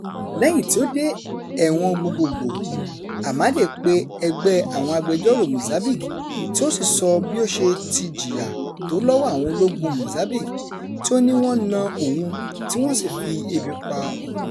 Lẹ́yìn tí ó dé ẹ̀wọ̀n gbogboògbò, Amade pe ẹgbẹ́ àwọn agbẹjọ́rò Mozambique tí ó sì sọ bí ó ṣe ti jìyà tó lọ́wọ́ àwọn ológun Mozambique tí ó ní wọ́n na òun tí wọ́n sì fi ebi pa òun.